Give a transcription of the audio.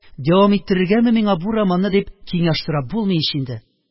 Дәвам иттерергәме миңа бу романны?» – дип киңәш сорап булмый ич инде.